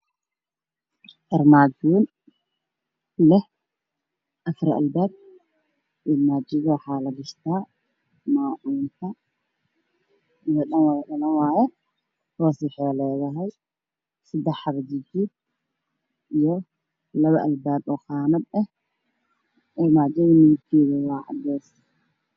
Meeshaan waxaa ka muuqda arrimaajo midabkeedu yahay caddeys waxaana gadaal ka xiga daah cadays ah dhulkana waxaa yaalo shumac